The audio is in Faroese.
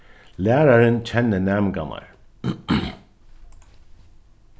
lærarin kennir næmingarnar